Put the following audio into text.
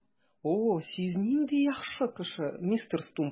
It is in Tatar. О, сез нинди яхшы кеше, мистер Стумп!